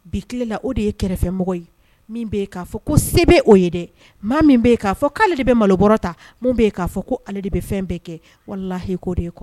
Bitile la o de ye kɛrɛfɛmɔgɔ ye bɛ, min bɛ yen k'a fɔ ko se bɛ o ye dɛ maa min bɛ k'a fɔ k'ale de bɛ malobɔrɛ ta, min bɛ k'a fɔ ko ale de bɛ fɛn bɛɛ kɛ, walahi k'o de ye kɔ